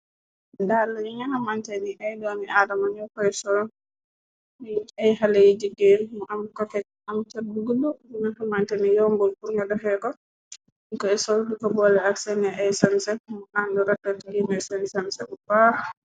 Daalla ñu ñana mante ni ay dooni aadama ñu koy so ay xale yi jëggéen mu am koket am cër bu gud ruñxu mante ni yombul burña doxee ko ñu koy sol bi ko boole ak seeni ay san sek mu ànd rata ti géenu seeni sanse bu baax.